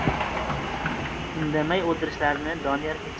indamay o'tishlarini doniyor